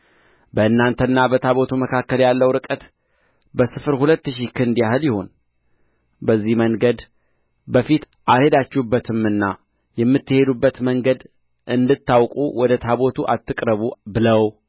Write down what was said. በእናንተና በታቦቱ መካከል ያለው ርቀት በስፍር ሁለት ሺህ ክንድ ያህል ይሁን በዚህ መንገድ በፊት አልሄዳችሁበትምና የምትሄዱበትን መንገድ እንድታውቁ ወደ ታቦቱ አትቅረቡ ብለው